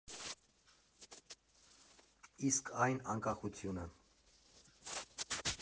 Իսկ այ անկախությունը…